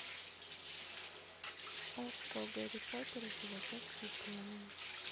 окко гарри поттер и философский камень